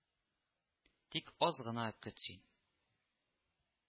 Тик аз гына көт син